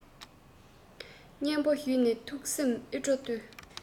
སྙན པོ ཞུས ནས ཐུགས སེམས ཨེ སྤྲོ ལྟོས